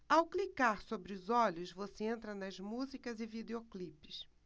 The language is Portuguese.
ao clicar sobre os olhos você entra nas músicas e videoclipes